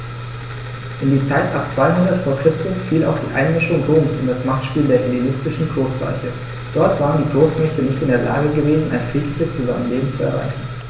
In die Zeit ab 200 v. Chr. fiel auch die Einmischung Roms in das Machtspiel der hellenistischen Großreiche: Dort waren die Großmächte nicht in der Lage gewesen, ein friedliches Zusammenleben zu erreichen.